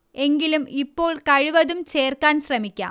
എങ്കിലും ഇപ്പോൾ കഴിവതും ചേർക്കാൻ ശ്രമിക്കാം